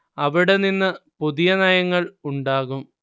അവിടെ നിന്ന് പുതിയ നയങ്ങൾ ഉണ്ടാകും